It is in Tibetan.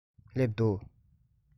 སླེབས འདུག